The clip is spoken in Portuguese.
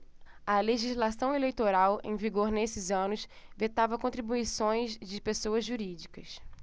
a legislação eleitoral em vigor nesses anos vetava contribuições de pessoas jurídicas